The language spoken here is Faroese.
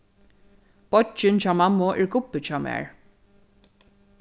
beiggin hjá mammu er gubbi hjá mær